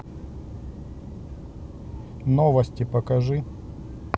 новости покажи